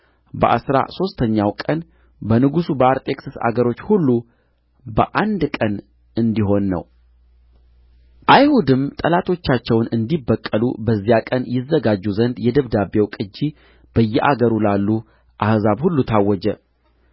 በአሥራ ሦስተኛው ቀን በንጉሡ በአርጤክስስ አገሮች ሁሉ በአንድ ቀን እንዲሆን ነው አይሁድም ጠላቶቻቸውን እንዲበቀሉ በዚያ ቀን ይዘጋጁ ዘንድ የደብዳቤው ቅጅ በየአገሩ ላሉ አሕዛብ ሁሉ ታወጀ